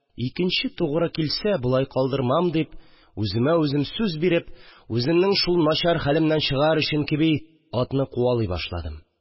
«икенче тугры килсә, болай калдырмам», – дип, үземә үзем сүз биреп, үземнең шул начар хәлемнән чыгар өчен кеби, атны куалый башладым